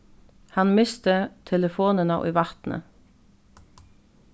hann misti telefonina í vatnið